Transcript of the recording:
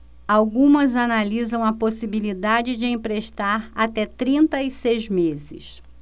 algumas analisam a possibilidade de emprestar até trinta e seis meses